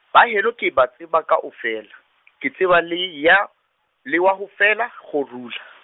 baheno ke ba tseba kaofela, ke tseba le ya, le wa ho fela, kgorula.